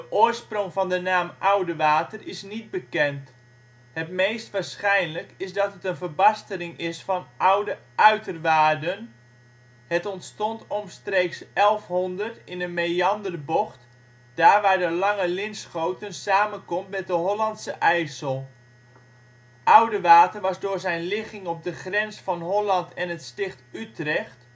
oorsprong van de naam Oudewater is niet bekend. Het meest waarschijnlijk is dat het een verbastering is van ' oude (uiter) waarden '. Het ontstond omstreeks 1100 in een meanderbocht daar waar de Lange Linschoten samenkomt met de Hollandsche IJssel. Oudewater was door zijn ligging op de grens van Holland en het Sticht (Utrecht